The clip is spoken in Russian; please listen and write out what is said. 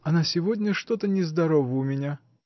-- Она сегодня что-то нездорова у меня.